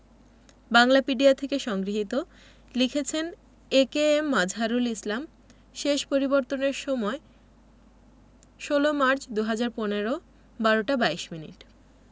বাংলাপিডিয়া থেকে সংগৃহীত লিখেছেনঃ এ.কে.এম মাযহারুল ইসলাম শেষ পরিবর্তনের সময় ১৬ মার্চ ২০১৫ ১২টা ২২ মিনিট